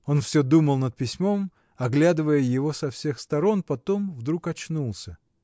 Он всё думал над письмом, оглядывая его со всех сторон. Потом вдруг очнулся.